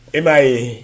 E m'a ye